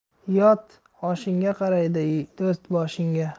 yot oshingga qaraydi do'st boshingga